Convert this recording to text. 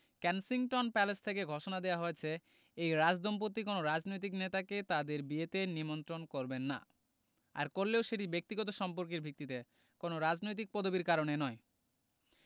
Kensington Palace থেকে ঘোষণা দেওয়া হয়েছে এই রাজদম্পতি কোনো রাজনৈতিক নেতাকে তাঁদের বিয়েতে নিমন্ত্রণ করবেন না আর করলেও সেটি ব্যক্তিগত সম্পর্কের ভিত্তিতে কোনো রাজনৈতিক পদবির কারণে নয়